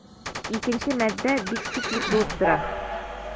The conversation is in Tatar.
Икенчесе матдә бициклик булып тора.